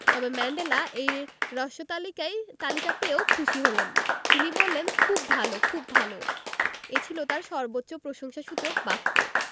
তবে ম্যান্ডেলা এই হ্রস্ব তালিকা পেয়েও খুশি হলেন তিনি বললেন খুব ভালো খুব ভালো এ ছিল তাঁর সর্বোচ্চ প্রশংসাসূচক বাক্য